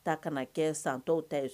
Ta kana na kɛ san tɔw ta ye